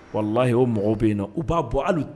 Walayi o mɔgɔw bɛ yen na u b'a bɔ ali